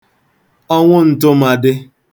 ọnwụ n̄tụ̄mādị̄